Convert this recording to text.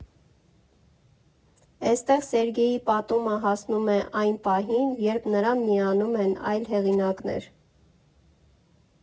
Էստեղ Սերգեյի պատումը հասնում է այն պահին, երբ նրան միանում են այլ հեղինակներ։